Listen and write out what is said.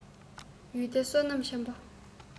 ཡུལ འདི བསོད ནམས ཆེན པོ